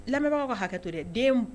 Lamɛbagaw ka hakɛto dɛ den m